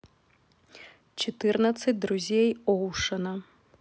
четырнадцать друзей оушена